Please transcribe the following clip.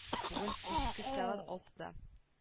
Бүген кичке сәгать алтыда